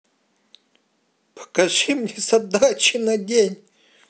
покажи мне задачи на день